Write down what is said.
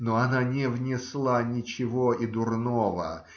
но она не внесла ничего и дурного.